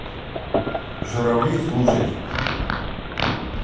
журавли слушать